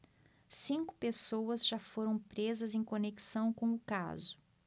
cinco pessoas já foram presas em conexão com o caso